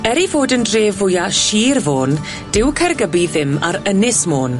Er ei fod yn dref fwya Sir Fôn, dyw Caergybi ddim ar Ynys Môn